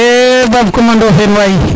xe Bab Coumba Ndofene